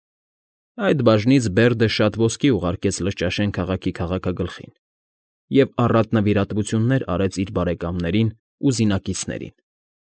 Այդ բաժնից Բերդը շատ ոսկի ուղարկեց Լճաշեն քաղաքի քաղաքագլխին և առատ նվիրատվություններ արեց իր բարեկամներին ու զինակիցներին։